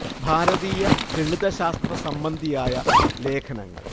ഭാരതീയ ഗണിത ശാസ്ത്ര സംബന്ധിയായ ലേഖനങ്ങൾ